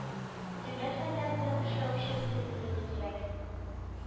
Төгәл фәннәр белән эшләү өчен тел белеме кирәк